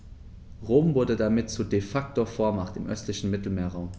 Rom wurde damit zur ‚De-Facto-Vormacht‘ im östlichen Mittelmeerraum.